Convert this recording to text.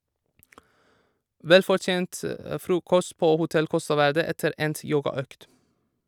Velfortjent frokost på hotell Costa Verde etter endt yogaøkt.